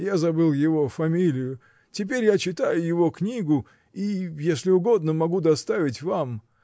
я забыл его фамилию — теперь я читаю его книгу и, если угодно, могу доставить вам.